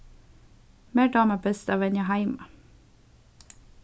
mær dámar best at venja heima